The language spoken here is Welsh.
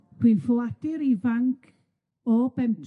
Dwi'n ffoadur ifanc o bentref...